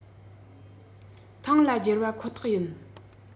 ཐང ལ བསྒྱེལ བ ཁོ ཐག ཡིན